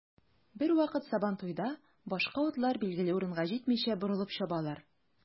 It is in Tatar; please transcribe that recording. Бервакыт сабантуйда башка атлар билгеле урынга җитмичә, борылып чабалар.